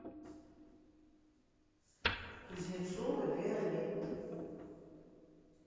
кузнецова виолетта